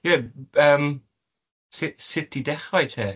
Ie yym s- sut i dechrau te?